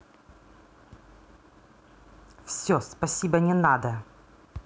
все спасибо не надо